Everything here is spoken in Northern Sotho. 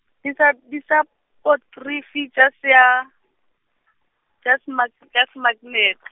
disa-, Disopadikurufi tša seya- , tša semak-, tša semaknete.